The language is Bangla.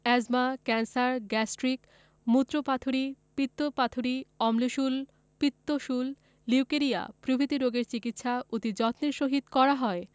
এ্যজমা ক্যান্সার গ্যাস্ট্রিক মুত্রপাথড়ী পিত্তপাথড়ী অম্লশূল পিত্তশূল লিউকেরিয়া প্রভৃতি রোগের চিকিৎসা অতি যত্নের সহিত করা হয়